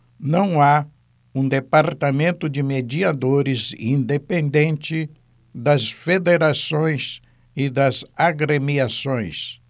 não há um departamento de mediadores independente das federações e das agremiações